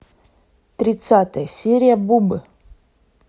тридцатая серия бубы